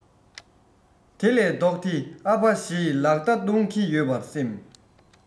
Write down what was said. དེ ལས ལྡོག སྟེ ཨ ཕ ཞེས ལག བརྡ གཏོང གི ཡོད པར སེམས